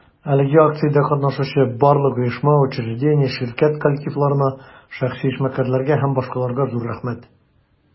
Әлеге акциядә катнашучы барлык оешма, учреждение, ширкәт коллективларына, шәхси эшмәкәрләргә һ.б. зур рәхмәт!